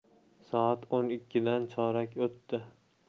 soat o'n ikkidan chorak o'tdi